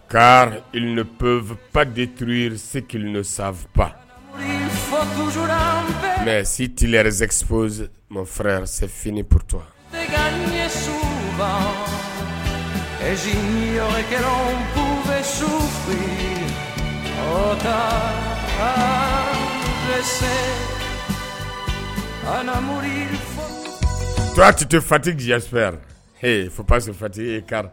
Ka inap de tuururi se kelendo sanfɛpp mɛ si t zep maforoto bɛ to tɛ tɛ fatifɛyara fo pa que fati e kari